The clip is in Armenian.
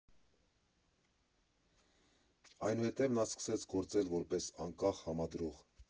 Այնուհետև նա սկսեց գործել որպես անկախ համադրող։